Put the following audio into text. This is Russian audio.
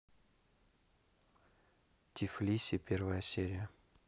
тифлиси первая серия